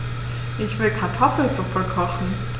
Ich will Kartoffelsuppe kochen.